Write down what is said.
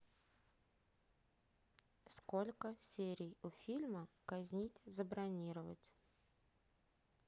сколько серий у фильма казнить забронировать